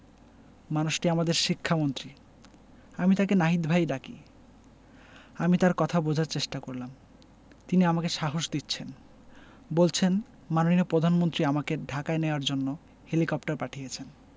মানুষটি আমাদের শিক্ষামন্ত্রী আমি তাকে নাহিদ ভাই ডাকি আমি তার কথা বোঝার চেষ্টা করলাম তিনি আমাকে সাহস দিচ্ছেন বলছেন মাননীয় প্রধানমন্ত্রী আমাকে ঢাকায় নেওয়ার জন্য হেলিকপ্টার পাঠিয়েছেন